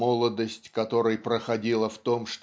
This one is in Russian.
"молодость которой проходила в том